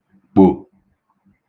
kpò